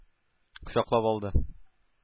Кочаклап алды.